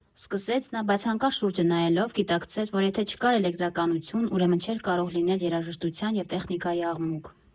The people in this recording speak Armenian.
֊ սկսեց նա, բայց հանկարծ շուրջը նայելով՝ գիտակցեց, որ եթե չկար էլեկտրականություն, ուրեմն չէր կարող լինել երաժշտության և տեխնիկայի աղմուկ։